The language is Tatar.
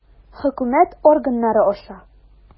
Хөкүмәт органнары аша.